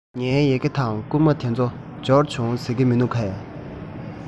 ངའི ཡི གེ དང བསྐུར མ དེ ཚོ འབྱོར བྱུང ཟེར གྱི མི འདུག གས